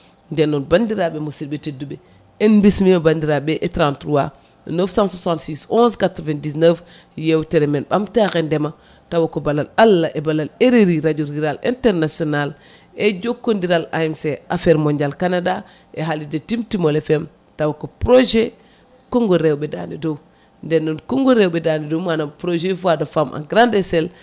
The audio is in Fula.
nden noon bandiraɓe musidɓe tedduɓe en bismima bandiraɓe e 33 966 11 99 yewtere men ɓamtare ndeema tawa ko ballal Allah e balla RRI radio rural Canada e jokkodiral AMC affaire mondial Canada e haalirde Timtimol FM taw ko projet konggol rewɓe dande dow nden noon konngol rewɓe dande dow manam projet voix de femme en grande échelle